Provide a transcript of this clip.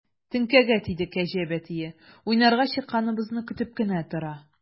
Теңкәгә тиде кәҗә бәтие, уйнарга чыкканыбызны көтеп кенә тора.